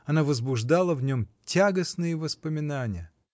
она возбуждала в нем тягостные воспоминания.